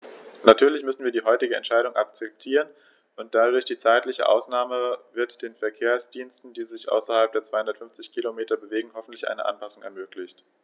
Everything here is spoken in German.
Natürlich müssen wir die heutige Entscheidung akzeptieren, und durch die zeitliche Ausnahme wird den Verkehrsdiensten, die sich außerhalb der 250 Kilometer bewegen, hoffentlich eine Anpassung ermöglicht.